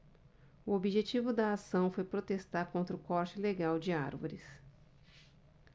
o objetivo da ação foi protestar contra o corte ilegal de árvores